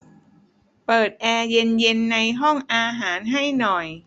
เปิดแอร์เย็นเย็นในห้องอาหารให้หน่อย